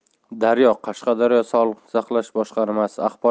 daryo qashqadaryo sog'liqni saqlash boshqarmasi